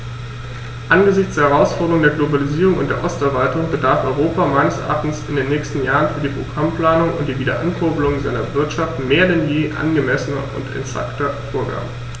Angesichts der Herausforderung der Globalisierung und der Osterweiterung bedarf Europa meines Erachtens in den nächsten Jahren für die Programmplanung und die Wiederankurbelung seiner Wirtschaft mehr denn je angemessener und exakter Vorgaben.